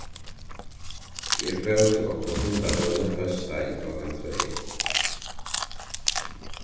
eg bóki okkum fundarhølið hósdagin klokkan tvey